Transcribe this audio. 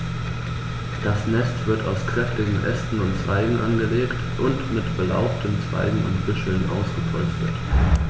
Das Nest wird aus kräftigen Ästen und Zweigen angelegt und mit belaubten Zweigen und Büscheln ausgepolstert.